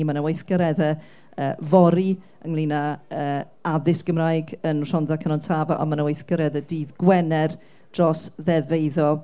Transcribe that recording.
a ma' 'na weithgareddau yy fory ynglyn â yy addysg Gymraeg yn Rhondda Cynon Taf, a ma' 'na weithgareddau dydd Gwener dros ddeddf eiddo.